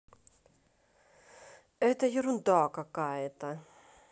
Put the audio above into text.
это ерунда какая то